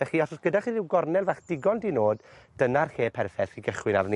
Felly os o's gyda chi ryw gornel fach digon dinôd dyna'r lle perffaith i gychwyn arni.